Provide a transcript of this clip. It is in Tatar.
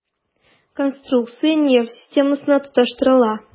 Конструкция нерв системасына тоташтырыла.